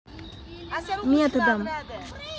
методом